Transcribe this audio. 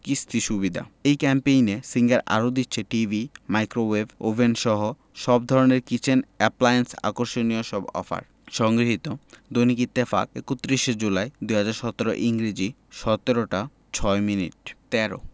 কিস্তি সুবিধা এই ক্যাম্পেইনে সিঙ্গার আরো দিচ্ছে টিভি মাইক্রোওয়েভ ওভেনসহ সব ধরনের কিচেন অ্যাপ্লায়েন্স আকর্ষণীয় সব অফার সংগৃহীত দৈনিক ইত্তেফাক ৩১ জুলাই ২০১৭ ইংরেজি ১৭ টা ৬ মিনিট ১৩